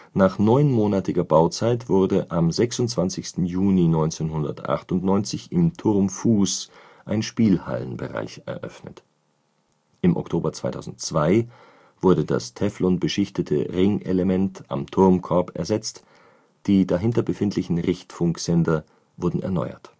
Nach neunmonatiger Bauzeit wurde am 26. Juni 1998 im Turmfuß ein Spielhallenbereich eröffnet. Im Oktober 2002 wurde das teflonbeschichtete Ringelement am Turmkorb ersetzt; die dahinter befindlichen Richtfunksender wurden erneuert